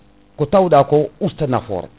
ko tawɗako usta nafoore